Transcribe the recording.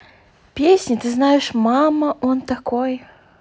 песни ты знаешь мама он такой